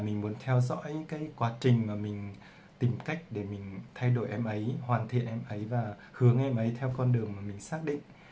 mình muốn theo dõi quá trình mình tìm cách để thay đổi em ấy hoàn thiện em ấy hướng em ấy theo con đường mình xác định